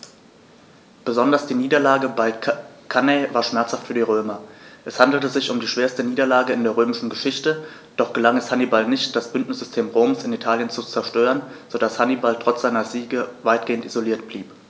Besonders die Niederlage bei Cannae war schmerzhaft für die Römer: Es handelte sich um die schwerste Niederlage in der römischen Geschichte, doch gelang es Hannibal nicht, das Bündnissystem Roms in Italien zu zerstören, sodass Hannibal trotz seiner Siege weitgehend isoliert blieb.